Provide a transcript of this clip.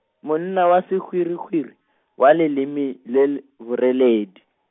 monna wa sehwirihwiri , wa leleme le l-, boreledi.